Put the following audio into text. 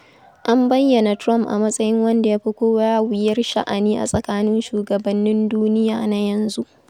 An bayyana Trump a matsayin 'wanda ya fi kowa wuyar sha'ani a tsakanin shugabannin duniya na yanzu'.